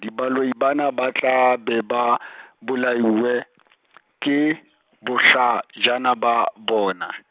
di baloi bana ba tla be ba , bolailwe , ke , bohlajana ba bona.